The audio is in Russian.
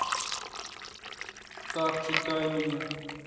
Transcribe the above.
так читай мне